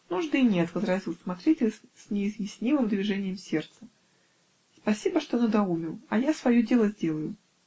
-- "Нужды нет, -- возразил смотритель с неизъяснимым движением сердца, -- спасибо, что надоумил, а я свое дело сделаю".